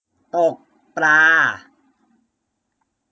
ตกปลา